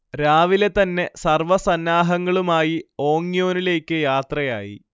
രാവിലെ തന്നെ സർവ സന്നാഹങ്ങളുമായി ഓങ്യോനിലേക്ക് യാത്രയായി